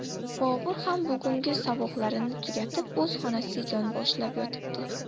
bobur ham bugungi saboqlarini tugatib o'z xonasida yonboshlab yotibdi